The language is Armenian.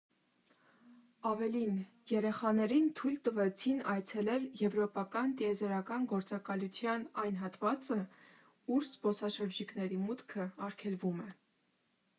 Ավելին՝ երեխաներին թույլ տվեցին այցելել Եվրոպական տիեզերական գործակալության այն հատվածը, ուր զբոսաշրջիկների մուտքը արգելվում է.